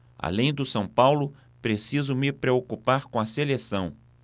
além do são paulo preciso me preocupar com a seleção